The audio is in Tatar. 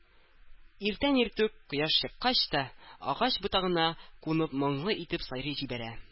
Иртән-иртүк, кояш чыккач та, агач ботагына кунып моңлы итеп сайрап җибәрә